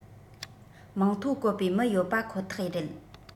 མིང ཐོ བཀོད པའི མི ཡོད པ ཁོ ཐག རེད